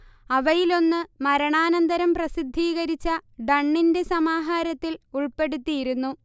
അവയിലൊന്ന് മരണാന്തരം പ്രസിദ്ധീകരിച്ച ഡണ്ണിന്റെ സമാഹാരത്തിൽ ഉൾപ്പെടുത്തിയിരുന്നു